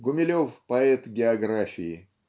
Гумилев - поэт географии.